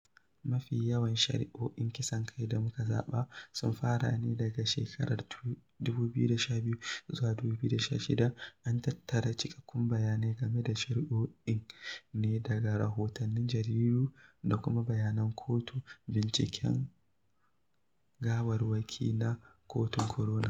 Mafi yawan shari'o'in kisan kai da muka zaba sun faru ne daga shekarar 2012 zuwa 2016. An tattara cikakkun bayanai game da shari'o'in ne daga rahotannin jaridu da kuma bayanan kotun binciken gawarwaki na kotun Coroner